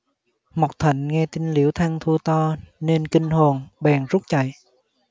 mộc thạnh nghe tin liễu thăng thua to nên kinh hồn bèn rút chạy